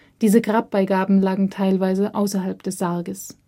Diese Grabbeigaben lagen teilweise außerhalb des Sarges